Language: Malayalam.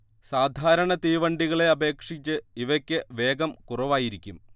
സാധാരണ തീവണ്ടികളെ അപേക്ഷിച്ച് ഇവക്ക് വേഗം കുറവായിരിക്കും